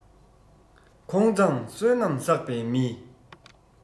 ཁོང མཛངས བསོད ནམས བསགས པའི མི